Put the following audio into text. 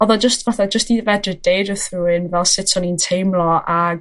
odd o jyst fatha jyst i fedru deud wrth rywun fel sut o'n i'n teimlo ag